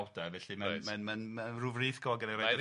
ma'n ma'n ma'n ryw frith go' gynna i.